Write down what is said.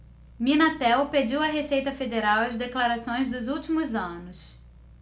minatel pediu à receita federal as declarações dos últimos anos